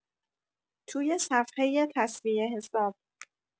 توی صفحۀ تصویه حساب